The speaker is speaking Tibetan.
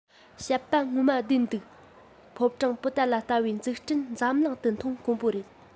བཤད པ ངོ མ བདེན འདུག ཕོ བྲང པོ ཏ ལ ལྟ བུའི འཛུགས སྐྲུན འཛམ གླིང དུ མཐོང དཀོན པོ རེད